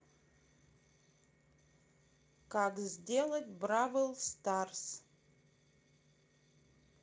как сделать бравл старс